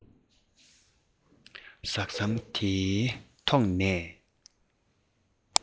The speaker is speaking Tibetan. ཐག ཟམ དེའི ཐོག ནས